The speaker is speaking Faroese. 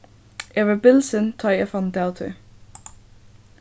eg varð bilsin tá ið eg fann út av tí